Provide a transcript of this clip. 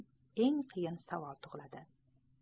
eng qiyin savol tug'iladi